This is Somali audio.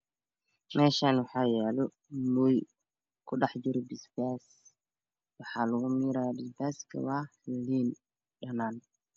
Meshan waxaa yalo moy oo ku dhex jiro bisbas oo lagu dhax mira liin dhanaan